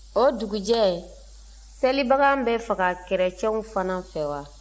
o dugujɛ selibagan bɛ faga kerecɛnw fana fɛ wa